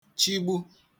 chigbu